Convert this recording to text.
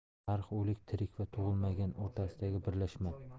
tarix o'lik tirik va tug'ilmagan o'rtasidagi birlashma